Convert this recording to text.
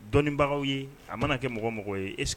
Dɔnbagaw ye a mana kɛ mɔgɔ mɔgɔ ye